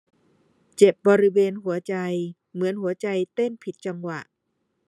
เจ็บบริเวณหัวใจเหมือนหัวใจเต้นผิดจังหวะ